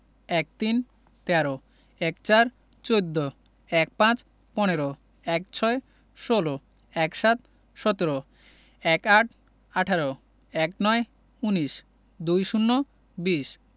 ১৩ - তেরো ১৪ - চৌদ্দ ১৫ – পনেরো ১৬ - ষোল ১৭ - সতেরো ১৮ - আঠারো ১৯ - উনিশ ২০ - বিশ